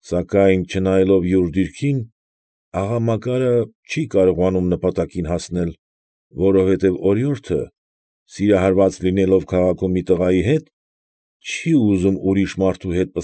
Սակայն, չնայելով յուր դիրքին, աղա Մակարը չի կարողանում նպատակին հասնել, որովհետև օրիորդը, սիրահարված լինելով քաղաքում մի տղայի վրա, չի ուզում ուրիշ մարդու հետ։